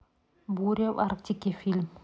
буря в арктике фильм